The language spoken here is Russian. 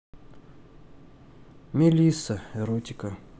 мелисса эротика